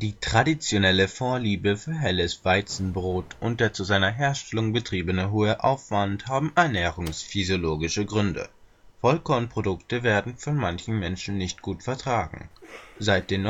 Die traditionelle Vorliebe für helles Weizenbrot und der zu seiner Herstellung betriebene hohe Aufwand haben ernährungsphysiologische Gründe (Vollkornprodukte werden von manchen Menschen nicht gut vertragen). Seit den